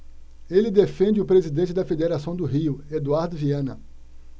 ele defende o presidente da federação do rio eduardo viana